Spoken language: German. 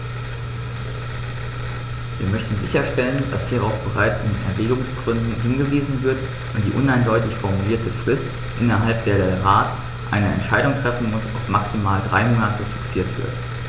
Wir möchten sicherstellen, dass hierauf bereits in den Erwägungsgründen hingewiesen wird und die uneindeutig formulierte Frist, innerhalb der der Rat eine Entscheidung treffen muss, auf maximal drei Monate fixiert wird.